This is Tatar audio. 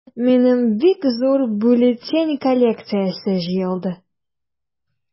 Минем бик зур бюллетень коллекциясе җыелды.